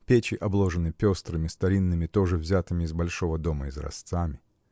печи обложены пестрыми, старинными, тоже взятыми из большого дома изразцами.